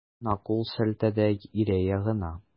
Ана кул селтәде ире ягына.